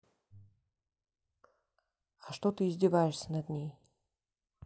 а что ты издеваешься над ней